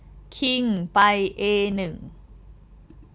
คิงไปเอหนึ่ง